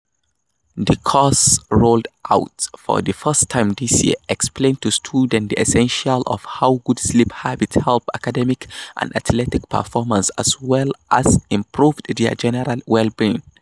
The course, rolled out for the first time this year, explains to students the essentials of how good sleep habits help academic and athletic performance, as well as improve their general wellbeing.